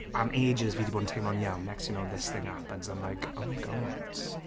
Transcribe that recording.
Am ages fi 'di bod yn teimlo'n iawn. Next you know, this thing happens. I'm like "oh my god".